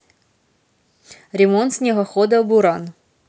ремонт снегохода буран